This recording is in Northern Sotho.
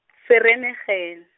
Vereeniging.